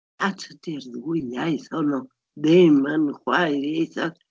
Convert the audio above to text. A tydi'r ddwy iaith hwnnw ddim yn chwaer ieithoedd.